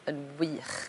yn wych.